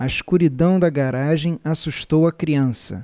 a escuridão da garagem assustou a criança